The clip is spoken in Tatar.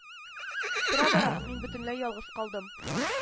Тора-бара мин бөтенләй ялгыз калдым